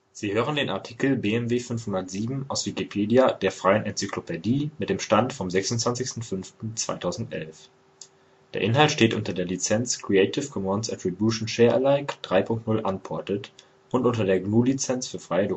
Sie hören den Artikel BMW 507, aus Wikipedia, der freien Enzyklopädie. Mit dem Stand vom Der Inhalt steht unter der Lizenz Creative Commons Attribution Share Alike 3 Punkt 0 Unported und unter der GNU Lizenz für freie Dokumentation